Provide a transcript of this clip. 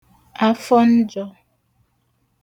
afọ njọ̄